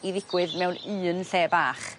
i ddigwydd mewn un lle bach.